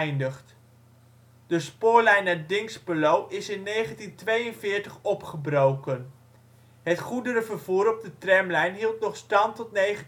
beëindigd. De spoorlijn naar Dinxperlo is in 1942 opgebroken. Het goederenvervoer op de tramlijn hield nog stand tot 1953